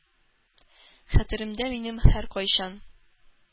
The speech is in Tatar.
Хәтеремдә минем һәркайчан.